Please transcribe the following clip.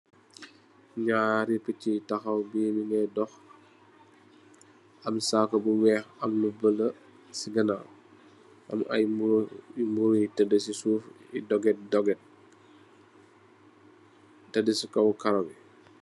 Ñaari pich yu tahaw, bi mungè doh. Am soku bu weeh, am lu bulo ci ganaawam. Am ay mburr yu tëdd ci suuf yu dogit-dogit tëdd ci kaw karo bi.